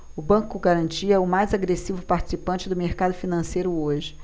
o banco garantia é o mais agressivo participante do mercado financeiro hoje